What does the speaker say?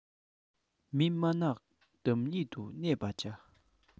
མི སྨྲ ནགས འདབས ཉིད དུ གནས པར བྱ